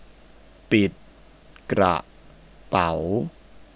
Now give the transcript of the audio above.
ปิดกระเป๋า